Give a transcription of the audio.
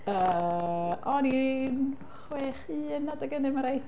Yy o'n i'n 6 1 adeg hynny ma'n raid?